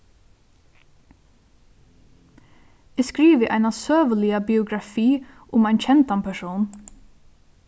eg skrivi eina søguliga biografi um ein kendan persón